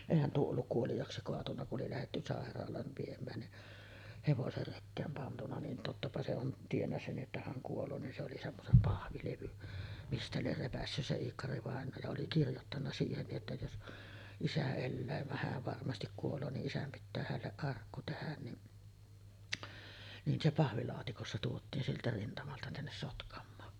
eihän tuo ollut kuoliaaksi kaatunut kun oli lähdetty sairaalaan viemään niin hevoset rekeen pantu niin tottapa se on tiennyt sen että hän kuolee niin se oli semmoisen pahvilevyn mistä lie repäissyt se Iikkari-vainaja ja oli kirjoittanut siihen niin jotta jos isä elää vaan hän varmasti kuolee niin isän pitää hänelle arkku tehdä niin niin se pahvilaatikossa tuotiin sieltä rintamalta tänne Sotkamoon